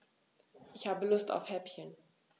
Ich habe Lust auf Häppchen.